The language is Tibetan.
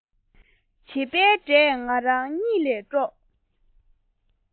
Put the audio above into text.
བྱེད པའི སྒྲས ང རང གཉིད ལས དཀྲོགས